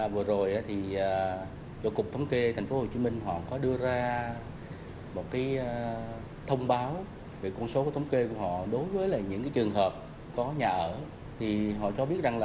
à vừa rồi thì à do cục thống kê thành phố hồ chí minh họ có đưa ra một cái thông báo về con số thống kê của họ đối với những trường hợp có nhà ở thì họ cho biết rằng